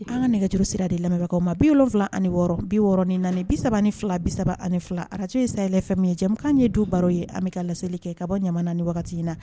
An ka nɛgɛjuru sira de lamɛnbagawkaw ma bil wolonwula ani wɔɔrɔ biɔrɔn ni na bisa ni fila bisa saba ani ni fila araj ye sayayfɛ min ye cɛkan ye du baro ye an bɛ ka laelili kɛ ka bɔ ɲa ni wagati in na